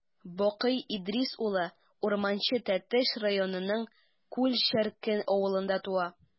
Бакый Идрис улы Урманче Тәтеш районының Күл черкен авылында туа.